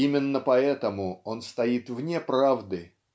Именно поэтому он стоит вне правды